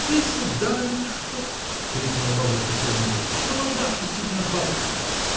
— Ты, сударыня, что, — крикнула бабушка сердито, — молода шутить над бабушкой!